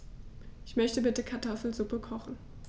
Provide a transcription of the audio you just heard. Ich möchte bitte Kartoffelsuppe kochen.